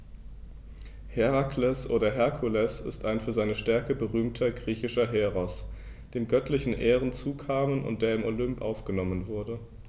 Herakles oder Herkules ist ein für seine Stärke berühmter griechischer Heros, dem göttliche Ehren zukamen und der in den Olymp aufgenommen wurde.